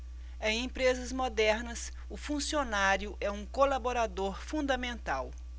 em empresas modernas o funcionário é um colaborador fundamental